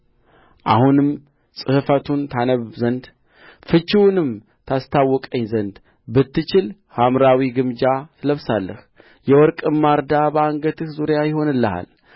አሁንም ጽሕፈቱን ታነብብ ዘንድ ፍቺውንም ታስታውቀኝ ዘንድ ብትችል ሐምራዊ ግምጃ ትለብሳለህ የወርቅም ማርዳ በአንገትህ ዙሪያ ይሆንልሃል